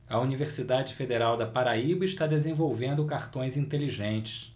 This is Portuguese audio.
a universidade federal da paraíba está desenvolvendo cartões inteligentes